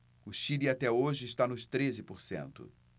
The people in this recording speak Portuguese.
o chile até hoje está nos treze por cento